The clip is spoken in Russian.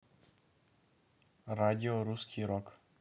радио русский рок